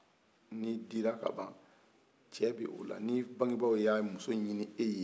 ni dira ka ban cɛ bi ola ni bangebaw ye muso ye muso ɲini e ye